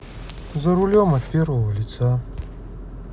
за рулем от первого лица